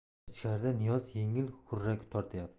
ichkarida niyoz yengil xurrak tortyapti